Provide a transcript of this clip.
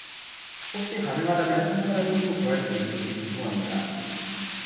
혹시 가능하다면 성서를 한 부 구할 수 있는지 궁금합니다